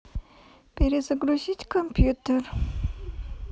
перезагрузить компьютер